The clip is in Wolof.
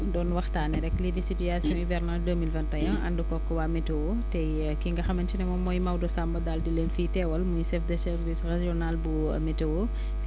doon waxtaane rek lii di situation hivernage deux mille vingt et un ànd koog waa météo te ki nga xamante ni moom mooy Maodo Samb daal di leen fiy teewal muy chef de service régional bu météo